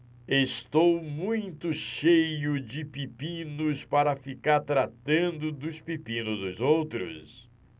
estou muito cheio de pepinos para ficar tratando dos pepinos dos outros